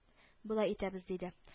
— болай итәбез, — диде